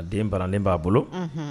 A den banalen b'a bolo